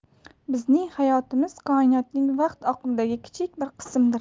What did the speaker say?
bizning hayotimiz koinotning vaqt oqimidagi kichik bir qismdir